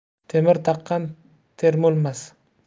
temir taqqan termulmas